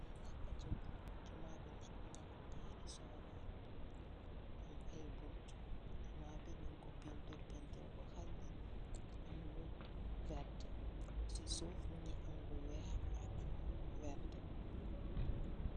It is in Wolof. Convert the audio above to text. Li nak juma la, juma bi nag mungi am ñaari sodo, am ay buntu. Juma bi nung ko pentir hali, am lu vert. Ci suuf mungi am lu weeh ak lu vert.